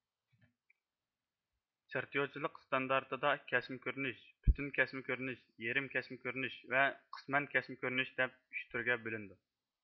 چىرتيوژچىلىق ستاندارتدا كەسمە كۆرۈنۈش پۈتۈك كەسمە كۆرۈنۈش يېرىم كەسمە كۆرۈنۈش ۋە قىسمەن كەسمە كۆرۈنۈش دەپ ئۈچ تۈرگە بۆلۈنىدۇ